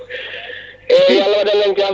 eyyi yo Allah waɗan en jaam